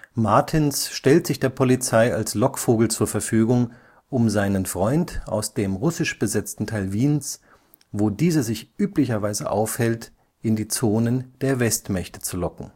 Martins stellt sich der Polizei als Lockvogel zur Verfügung, um seinen Freund aus dem russisch besetzten Teil Wiens, wo dieser sich üblicherweise aufhält (da die sowjetische Militärpolizei gegenüber den MPs der anderen Besatzer nicht gerade kooperativ ist, und er so untertauchen kann), in die Zonen der Westmächte zu locken